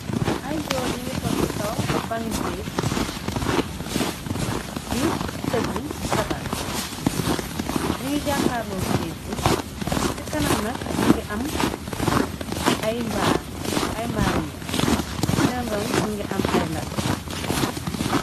Ay gor ,ñingi tog ci kaw bangi siis, di tëgg sabat, ñi ngi jaakaarlol géj, ci kanam nak mëngi am ay mbaariña, seen ron mëngi am iland.